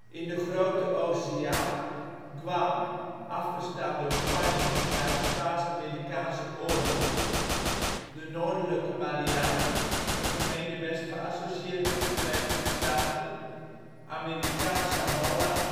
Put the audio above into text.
In de Grote Oceaan, Guam (afgestaan door Spanje na de Spaans-Amerikaanse Oorlog), de Noordelijke Mariana Eilanden (een gemenebest geassocieerd met de Verenigde Staten), Amerikaans Samoa